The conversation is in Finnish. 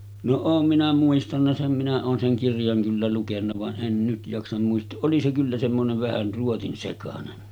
no olen minä muistanut sen minä olen sen kirjan kyllä lukenut vaan en nyt jaksa muistaa oli se kyllä semmoinen vähän ruotsinsekainen